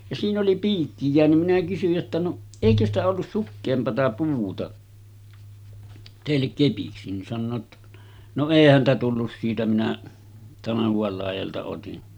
ja siinä oli piikki jäänyt minä kysyin jotta no eikö sitä ollut sukeampaa puuta teille kepiksi niin sanoo jotta no ei häntä tullut siitä minä tanhuan laidalta otin